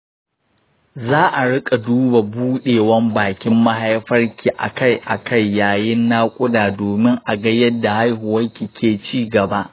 za a riƙa duba buɗewan bakin mahaifarki akai-akai yayin naƙuda domin a ga yadda haihuwa ke ci gaba.